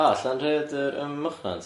O Llanrhaeadr ym Mochnant?